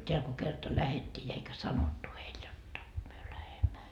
täällä kun kerta lähdettiin ja eikä sanottu heille jotta me lähdemme